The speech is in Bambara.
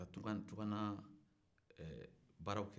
ka tungala baaraw kɛ